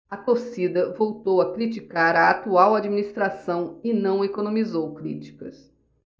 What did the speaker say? a torcida voltou a criticar a atual administração e não economizou críticas